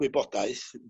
gwybodaeth